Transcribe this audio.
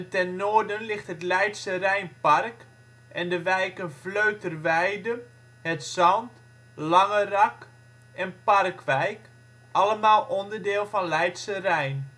ten noorden ligt het Leidsche Rijn Park en de wijken Vleuterweide, Het Zand, Langerak en Parkwijk, allemaal onderdeel van Leidsche Rijn